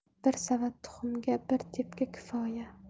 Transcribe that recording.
bir savat tuxumga bir tepki kifoya